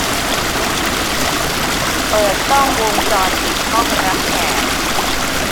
เปิดกล้องวงจรปิดห้องรับแขก